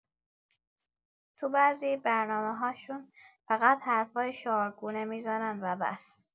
تو بعضی برنامه‌‌هاشون فقط حرفای شعارگونه می‌زنن و بس!